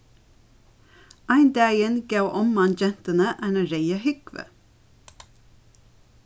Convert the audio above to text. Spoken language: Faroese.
ein dagin gav omman gentuni eina reyða húgvu